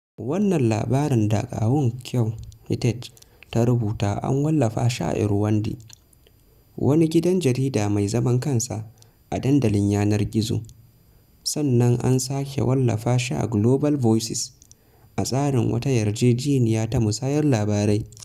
Wannan labarin da Aung Kyaw Htet ta rubuta an wallafa shi a Irrawaddy, wani gidan jarida mai zaman kansa a dandalin yanar gizo, sannan an sake wallafa shi Global Voices a tsarin wata yarjejeniya ta musayar labarai.